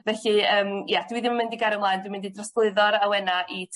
Felly yym ia dwi ddim mynd i gario 'mlaen dwi'n mynd i drosglwyddo'r awena i